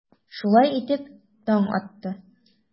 Шулай итеп, таң атты.